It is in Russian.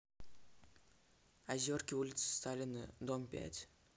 озерки улица сталина дом пять